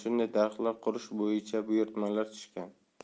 shunday shaharlar qurish bo'yicha buyurtmalar tushgan